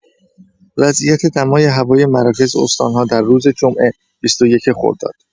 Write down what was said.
وضعیت دمای هوای مراکز استان‌ها در روز جمعه ۲۱ خرداد